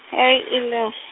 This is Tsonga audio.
e Elim .